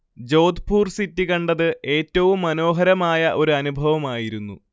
Jodhpur city കണ്ടത് ഏറ്റവും മനോഹരമായ ഒരനുഭവമായിരുന്നു